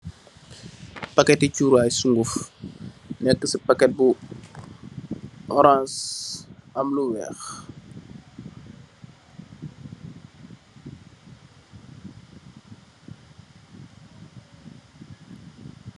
Paketti churay sun'ngufi nekka ci paket bu orans am lu wèèx.